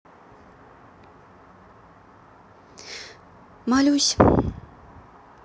молюсь